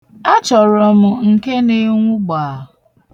A chọrọ m nke na-enwu gbaa.